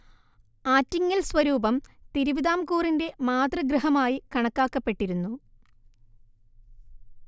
ആറ്റിങ്ങൽ സ്വരൂപം തിരുവിതാംകൂറിന്റെ മാതൃഗൃഹമായി കണക്കാക്കപ്പെട്ടിരുന്നു